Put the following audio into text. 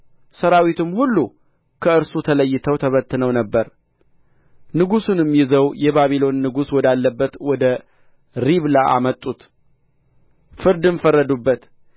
ሠራዊቱም ሁሉ ከእርሱ ተለይተው ተበትነው ነበር ንጉሡንም ይዘው የባቢሎን ንጉሥ ወዳለበት ወደ ሪብላ አመጡት ፍርድም ፈረዱበት የሴዴቅያስንም ልጆች በፊቱ ገደሉአቸው